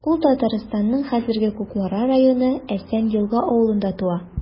Ул Татарстанның хәзерге Кукмара районы Әсән Елга авылында туа.